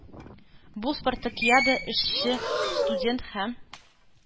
Бу спартакиада эшче, студент һәм